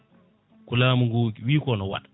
ko laamu ngu wiiko no waɗa